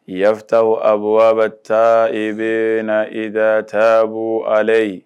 Yafata a bolo a bɛ taa i bɛ na i da taabolo ale ye